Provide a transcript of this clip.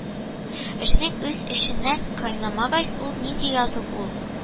Эшнең үзе эчендә кайнамагач, ул нинди язу ул